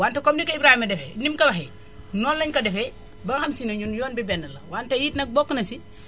wante comme ni ko Ibrahima demee ni mu ko waxee noonu la ñu ko defee ba nga xam si ne ñun yoon bi benn la wante it nag bokk na si